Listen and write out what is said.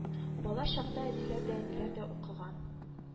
Бала чакта әтиләр дә әниләр дә укыган